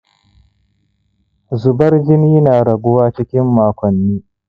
zubar jini na raguwa cikin makonni